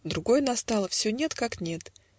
Другой настал: все нет как нет.